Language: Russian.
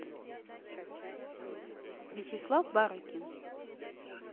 вячеслав барыкин